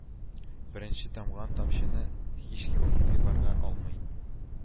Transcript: Беренче тамган тамчыны һичкем игътибарга алмый